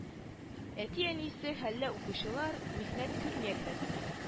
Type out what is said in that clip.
Әтиәнисе хәлле укучылар михнәт күрми әлбәттә